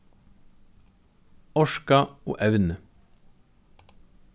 orka og evni